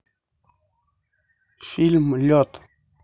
фильм лед